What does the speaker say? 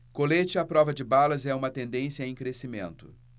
colete à prova de balas é uma tendência em crescimento